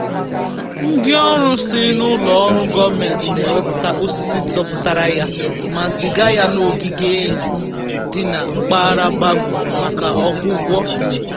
Ndịọrụ si n'ụlọ ọrụ gọọmentị na-ewepụta osisi zọpụtara ya ma ziga ya n'ogige enyi dị na mpaghara Bago maka ọgwụgwọ.